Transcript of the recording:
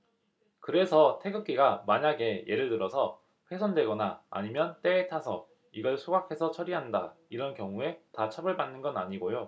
그래서 태극기가 만약에 예를 들어서 훼손되거나 아니면 때에 타서 이걸 소각해서 처리한다 이런 경우에 다 처벌받는 건 아니고요